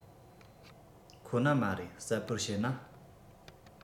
ཁོ ན མ རེད གསལ པོར བཤད ན